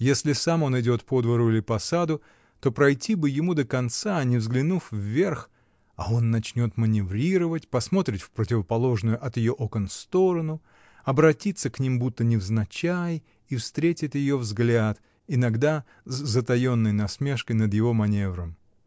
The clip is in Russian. Если сам он идет по двору или по саду, то пройти бы ему до конца, не взглянув вверх: а он начнет маневрировать, посмотрит в противоположную от ее окон сторону, оборотится к ним будто невзначай и встретит ее взгляд, иногда с затаенной насмешкой над его маневром.